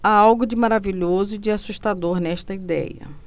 há algo de maravilhoso e de assustador nessa idéia